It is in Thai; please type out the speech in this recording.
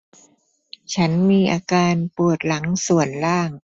ฉันมีอาการปวดหลังส่วนล่าง